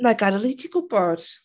Wna i gadael i ti gwybod.